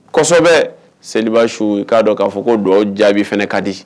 Kosɛbɛ seliba su k'a dɔn k'a fɔ ko do jaabi fana ka di